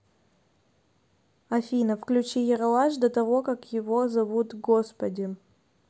афина включи ералаш этого как его зовут господи